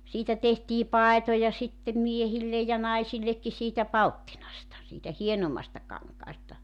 siitä tehtiin paitoja sitten miehille ja naisillekin siitä palttinasta siitä hienommasta kankaasta